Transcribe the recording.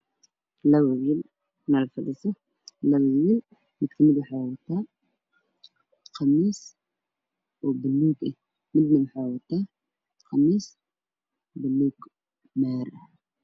Laba wiil oo meel fadhisa mid ka mid ah wuxuu wataa qamiis oo baluug ah midka kalena wuxuu wataa qamiis baluug maari